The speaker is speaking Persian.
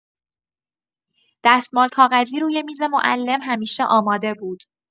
دستمال کاغذی روی میز معلم همیشه آماده بود.